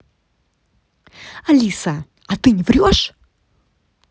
алиса а ты не врешь